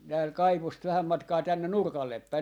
täällä kaivosta vähän matkaa tänne nurkalle päin